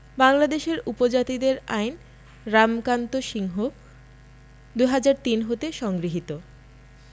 বাংলাদেশের উপজাতিদের আইন রামকান্ত সিংহ ২০০৩ হতে সংগৃহীত